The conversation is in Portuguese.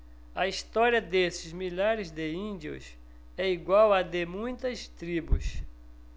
a história desses milhares de índios é igual à de muitas tribos